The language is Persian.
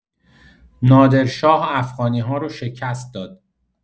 نادر شاه افغانی‌ها رو شکست داد